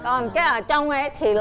còn cái ở trong đấy thì